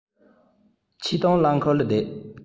ཆེད གཏོང རླངས འཁོར ལ བསྡད